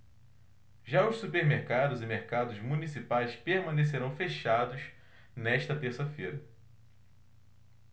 já os supermercados e mercados municipais permanecerão fechados nesta terça-feira